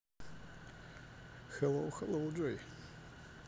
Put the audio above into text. hello hello joy